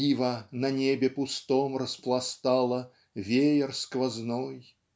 Ива на небе пустом распластала Веер сквозной.